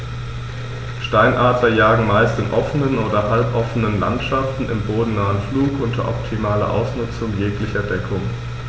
Steinadler jagen meist in offenen oder halboffenen Landschaften im bodennahen Flug unter optimaler Ausnutzung jeglicher Deckung.